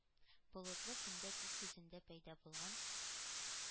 Болытлы көндә күк йөзендә пәйда булган